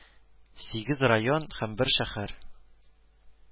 Сигез район һәм бер шәһәр